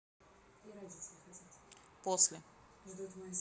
после